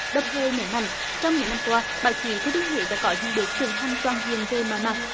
đồng thời nhấn mạnh trong những năm qua bảo trí thừa thiên huế đã có những bước trưởng thành toàn diện về mọi mặt